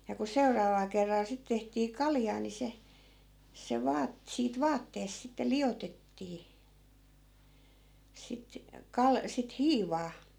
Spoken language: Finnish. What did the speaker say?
ja kun seuraavalla kerralla sitten tehtiin kaljaa niin se se - siitä vaatteessa sitten liotettiin sitten - sitten hiivaa